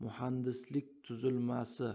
muhandislik tuzilmasi